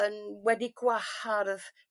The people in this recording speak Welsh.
yn wedi gwarhardd